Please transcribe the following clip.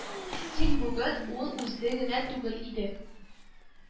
Тик бүген ул үзе генә түгел иде